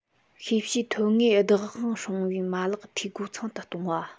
ཤེས བྱའི ཐོན དངོས བདག དབང སྲུང བའི མ ལག འཐུས སྒོ ཚང དུ གཏོང བ